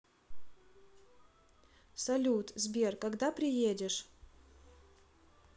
салют сбер когда приедешь